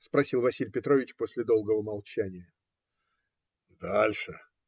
- спросил Василий Петрович после долгого молчания. - Дальше?